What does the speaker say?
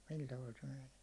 sillä tavalla se menee